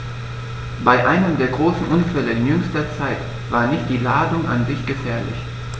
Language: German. Bei einem der großen Unfälle in jüngster Zeit war nicht die Ladung an sich gefährlich.